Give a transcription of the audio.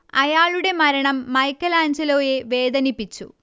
അയാളുടെ മരണം മൈക്കെലാഞ്ചലോയെ വേദനിപ്പിച്ചു